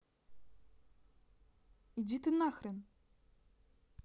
иди ты нахрен